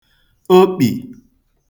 okpì